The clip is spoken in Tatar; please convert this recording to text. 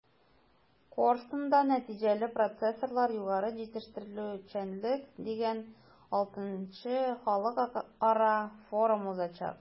“корстон”да “нәтиҗәле процесслар-югары җитештерүчәнлек” дигән vι халыкара форум узачак.